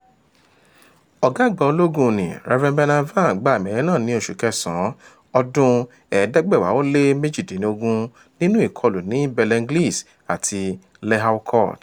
Lt Col The Reverend Bernard Vann gba àmì ẹ̀yẹ náà ní oṣù kẹsàn án 1918 nínú ìkọlù ní Bellenglise àti Lehaucourt.